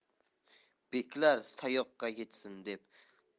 beklar yasoqqa yetsin deb